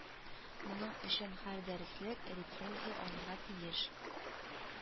Моның өчен һәр дәреслек резенция алырга тиеш